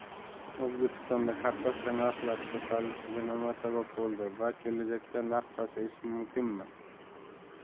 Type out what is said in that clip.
o'zbekistonda kartoshka narxlari ko'tarilishiga nima sabab bo'ldi va kelajakda narx pasayishi mumkinmi